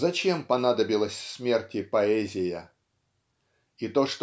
Зачем понадобилась смерти поэзия? И то